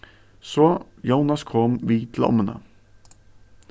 so jónas kom við til ommuna